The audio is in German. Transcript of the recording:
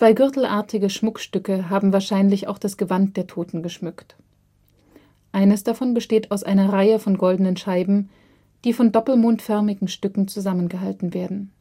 gürtelartige Schmuckstücke haben wahrscheinlich auch das Gewand der Toten geschmückt. Eines davon besteht aus einer Reihe von goldenen Scheiben, die von doppelmondförmigen Stücken zusammengehalten werden